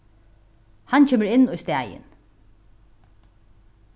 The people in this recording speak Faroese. hann kemur inn í staðin